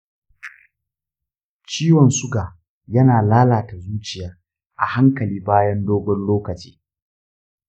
ciwon suga ya na lalata zuciya a hankali bayan dogon lokaci